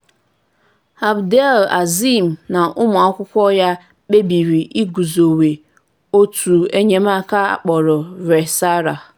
Abdel-Azim na ụmụ akwụkwọ ya kpebiri iguzowe òtù enyemaka akpọrọ Resala (Mission).